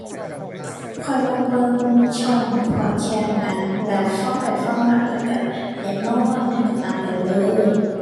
ข้อยมักเบิ่งช่องพอดแคสต์แหม แบบฟังไปฟังมาแล้วก็ อยากนอน แล้วก็หลับไปเลย